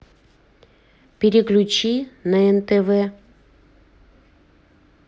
переключи на нтв